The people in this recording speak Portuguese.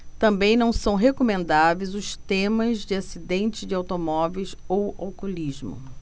também não são recomendáveis os temas de acidentes de automóveis ou alcoolismo